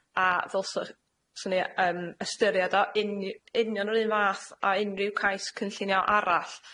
a ddylswch- swn i yym ystyried o uni- union yr un fath â unrhyw cais cynllunio arall,